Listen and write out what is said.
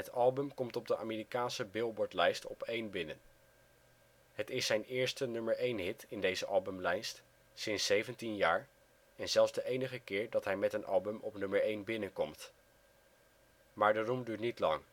album komt op de Amerikaanse Billboardlijst op één binnen. Het is zijn eerste nummer-één-hit in deze albumlijst sinds 17 jaar en zelfs de enige keer dat hij met een album op nummer één binnenkomt. Maar de roem duurt niet lang